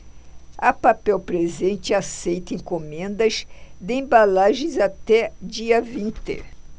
a papel presente aceita encomendas de embalagens até dia vinte